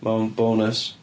Mewn bonus.